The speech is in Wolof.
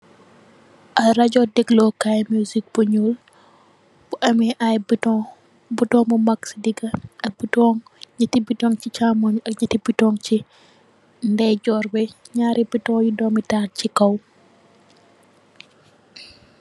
Rajo dèglu Kai musik bu ñuul bu ameh ay button, button bu mak si diga ak ñetti button ci camooy, ak ñetti button ci ndayjoor bi, ñaari button yu doomi tahal ci kaw.